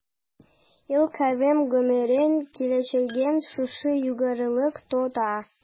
Ил-кавем гомерен, киләчәген шушы югарылык тота.